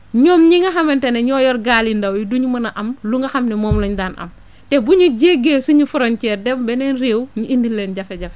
ñoom ñi nga xamante ne ñoo yor gaal yu ndaw yi du ñu mën a am lu nga xam ne moom lañ daal am te bu ñu jéggee suñu frontières dem beneen réew ñu indil leen jafe-jafe